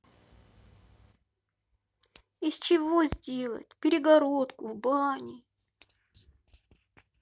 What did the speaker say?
из чего сделать перегородку в бане